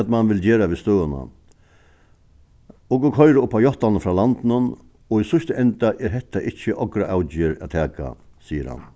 hvat mann vil gera við støðuna okur koyra upp á játtanir frá landinum og í síðsta enda er hetta ikki okra avgerð at taka sigur hann